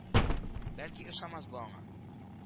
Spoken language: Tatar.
Бәлки ошамас бу аңа